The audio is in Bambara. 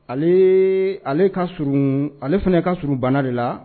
Ale ale kaurun ale fana ka surun banna de la